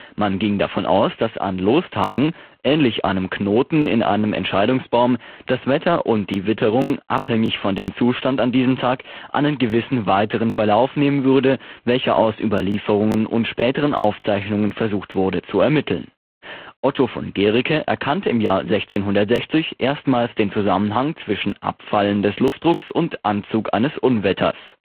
Man ging davon aus, dass an Lostagen - ähnlich einem Knoten in einem Entscheidungsbaum - das Wetter und die Witterung, abhängig von dem Zustand an diesem Tag, einen gewissen weiteren Verlauf nehmen würden, welcher aus Überlieferungen und später Aufzeichnungen versucht wurde zu ermitteln. Otto von Guericke erkannte im Jahr 1660 erstmals den Zusammenhang zwischen Abfallen des Luftdrucks und Anzug eines Unwetters